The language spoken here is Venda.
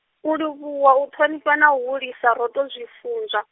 u livhuwa u ṱhonifha na u hulisa ro tou zwi funzwa.